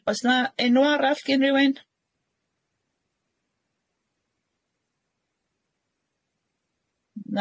Yy oes 'na enw arall gin riwin?